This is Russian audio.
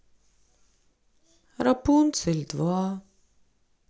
рапунцель два